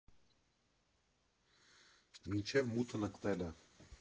Մինչև մութն ընկնելը։